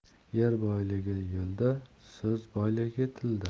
er boyligi yo'lda so'z boyligi tilda